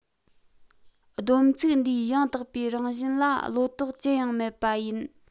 བསྡོམས ཚིག འདིའི ཡང དག པའི རང བཞིན ལ བློ དོགས ཅི ཡང མེད པ ཡིན